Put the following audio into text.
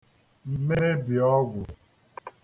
mebì ọgwụ̀